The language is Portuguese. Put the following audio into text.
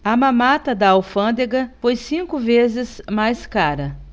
a mamata da alfândega foi cinco vezes mais cara